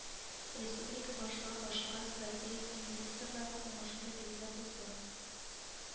Республика башлыгы башка стратегик инвесторларның уңышын да билгеләп узды